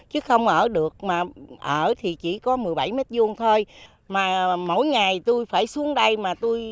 chứ không ở được mà ở thì chỉ có mười bảy mét vuông thôi mà mỗi ngày tui phải xuống đây mà tui